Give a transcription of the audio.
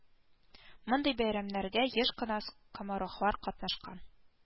Мондый бәйрәмнәргә еш кына скоморохлар катнашкан